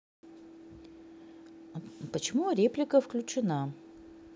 почему реплика включена